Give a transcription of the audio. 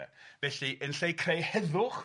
Felly yn lle i creu heddwch